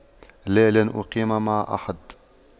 لا لن أقيم مع أحد